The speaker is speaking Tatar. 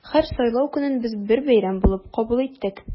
Һәр сайлау көнен без бер бәйрәм булып кабул иттек.